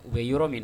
U bɛ yɔrɔ min